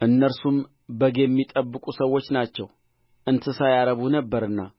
ከልጆቹ ሚስቶች ሌላ ሁላቸው ስድሳ ስድስት ናቸው በግብፅ ምድር የተወለዱለት